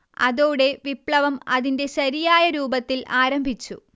അതോടെ വിപ്ലവം അതിന്റെ ശരിയായ രൂപത്തിൽ ആരംഭിച്ചു